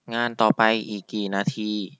งานต่อไปอีกกี่นาที